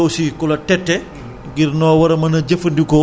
muy képp koo xam ne daal bëgg nga ci am ay leeral